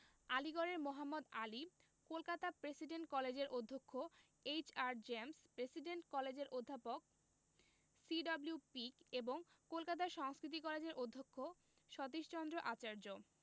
আলীগড়ের Mohammad Ali Kolkata presidency কলেজের অধ্যক্ষ H R James presidency কলেজের অধ্যাপক সি.ডব্লিউ পিক এবং কলকাতা সংস্কৃত কলেজের অধ্যক্ষ সতীশচন্দ্র আচার্য